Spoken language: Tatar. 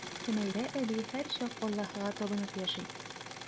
Хөмәйрә әби һәрчак Аллаһыга табынып яши.